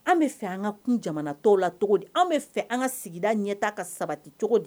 An bɛ fɛ an ka kun jamana tɔw la cogo di anw bɛ fɛ an ka sigida ɲɛ t ka sabati cogo di